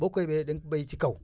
boo koy bay da nga koy bay ci kaw